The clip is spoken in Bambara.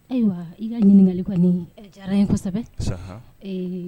Ayiwa i ka ɲininkakali kɔni diyara ye kosɛbɛ